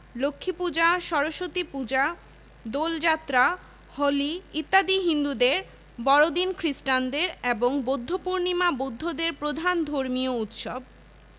লক্ষ্মীপূজা সরস্বতীপূজা দোলযাত্রা হোলি ইত্যাদি হিন্দুদের বড়দিন খ্রিস্টানদের এবং বৌদ্ধপূর্ণিমা বৌদ্ধদের প্রধান ধর্মীয় উৎসব